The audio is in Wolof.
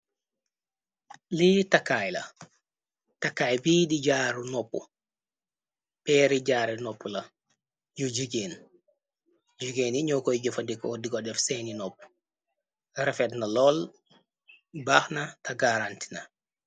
Lii takaay la takaay bii di jaaru noppu peeri jaare nopp la yu jigeen jugéen yi ñoo koy jofandiko digo def seeni nopp refet na lool baaxna ta garantina.